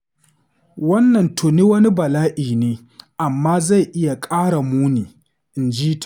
“Wannan tuni wani bala’i ne, amma zai iya ƙara muni,” inji ta.